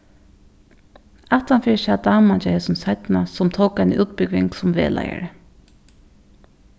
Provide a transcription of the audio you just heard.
aftanfyri sat daman hjá hesum seinna sum tók eina útbúgving sum vegleiðari